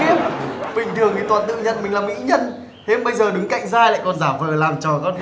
khiếp bình thường thì toàn tự nhận mình là mỹ nhân thế mà bây giờ đứng cạnh dai lại còn giả vờ làm trò con